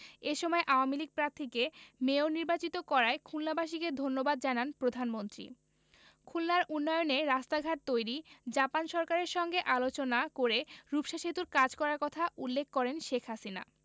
এ সময় আওয়ামী লীগ প্রার্থীকে মেয়র নির্বাচিত করায় খুলনাবাসীকে ধন্যবাদ জানান প্রধানমন্ত্রী খুলনার উন্নয়নে রাস্তাঘাট তৈরি জাপান সরকারের সঙ্গে আলোচনা করে রূপসা সেতুর কাজ করার কথা উল্লেখ করেন শেখ হাসিনা